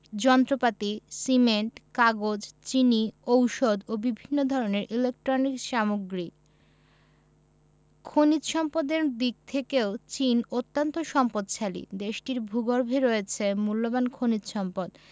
যন্ত্রপাতি সিমেন্ট কাগজ চিনি ঔষধ ও বিভিন্ন ধরনের ইলেকট্রনিক্স সামগ্রী খনিজ সম্পদের দিক থেকেও চীন অত্যান্ত সম্পদশালী দেশটির ভূগর্ভে রয়েছে মুল্যবান খনিজ সম্পদ